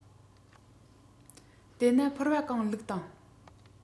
དེ ན ཕོར བ གང བླུགས དང